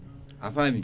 a faami